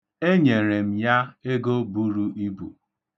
Enyere m ya ego buru ibu.